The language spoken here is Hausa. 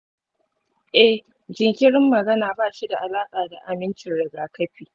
eh, jinkirin magana ba shi da alaƙa da amincin rigakafi.